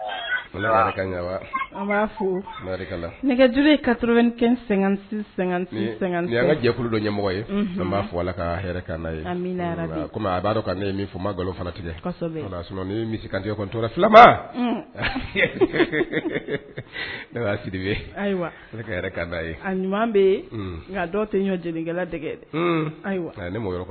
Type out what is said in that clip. Ka ɲɛmɔgɔ ye b'a fɔ a b'a dɔn ne ye fɔ malo misi kan filaba'aa ye bɛa tɛkɛla dɛgɛ dɛ